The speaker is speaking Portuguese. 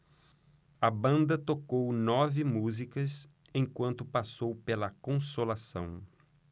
a banda tocou nove músicas enquanto passou pela consolação